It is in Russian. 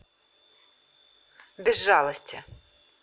безжалости